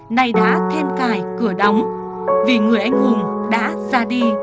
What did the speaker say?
nay đã then cài cửa đóng vì người anh hùng đã ra đi